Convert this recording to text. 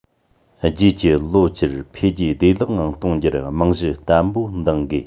རྗེས ཀྱི ལོ བཅུར འཕེལ རྒྱས བདེ བླག ངང གཏོང རྒྱུར རྨང གཞི བརྟན པོ འདིང དགོས